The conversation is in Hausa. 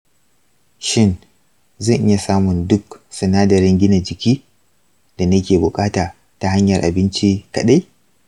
shin zan iya samun duk sinadaran gina jiki da nake buƙata ta hanyar abinci kaɗai?